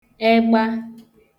egba